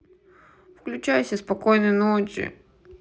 выключайся спокойной ночи